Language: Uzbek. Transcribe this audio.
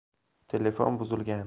telefon buzilgan